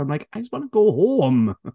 I'm like, "I just want to go home."